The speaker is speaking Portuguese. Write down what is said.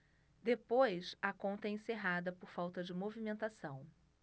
depois a conta é encerrada por falta de movimentação